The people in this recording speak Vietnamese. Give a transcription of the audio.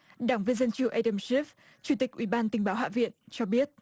đảng viên dân chủ ây đừn chít chủ tịch ủy ban tình báo hạ viện cho biết